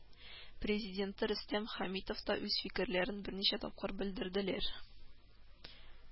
Президенты Рөстәм Хәмитов та үз фикерләрен берничә тапкыр белдерделәр